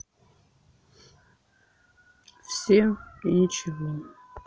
все и ничего